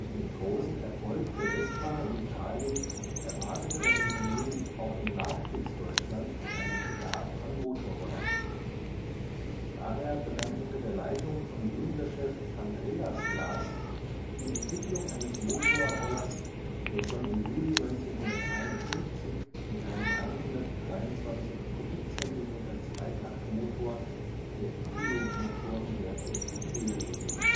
den großen Erfolg der Vespa in Italien erwartete das Unternehmen auch im Nachkriegsdeutschland einen Bedarf an Motorrollern. Daher begann unter der Leitung von Juniorchef Andreas Glas die Entwicklung eines Motorrollers, der schon im Juli 1951 mit einem 123-cm³-Zweitaktmotor der ILO-Motorenwerke in Serie ging